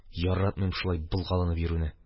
Яратмыйм шулай болганып йөрүне.